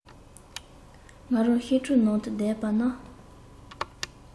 ང རང ཤིང གྲུའི ནང དུ བསྡད པ ན